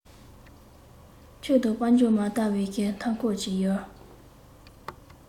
ཆོས དང དཔལ འབྱོར མ དར བའི མཐའ འཁོར གྱི ཡུལ